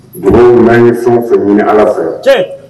Bamananw n'an ye fɛn fɛ ɲini ala fɛ